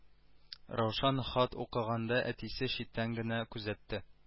Раушан хат укыганда әтисе читтән генә күзәтте